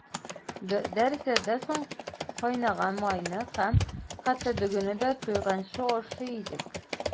Дәресләрдән соң кайнаган майны һәм хәтта дөгене дә туйганчы ашый идек.